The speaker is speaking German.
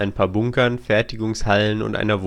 paar Bunkern, Fertigungshallen und einer